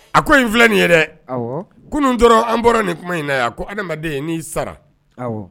A ko in filɛ nin ye dɛ, awɔ, kunun dɔrɔn an bɔra nin kuma in na yan. A ko adamaden n'i sara, awɔ.